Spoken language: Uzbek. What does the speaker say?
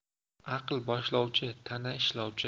aql boshlovchi tana ishlovchi